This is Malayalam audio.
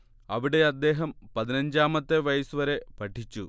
അവിടെ അദ്ദേഹം പതിനഞ്ചാമത്തെ വയസ്സുവരെ പഠിച്ചു